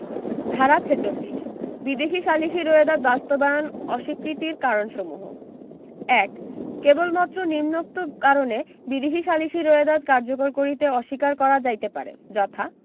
ধারা ৪৬ বিদেশী সালিসী রোয়েদাদ বাস্তবায়ন অস্বীকৃতির কারণসমূহ ১ কেবলমাত্র নিম্নোক্ত কারণে বিদেশী সালিসী রোয়েদাদ কার্যকর করিতে অস্বীকার করা যাইতে পারে যথা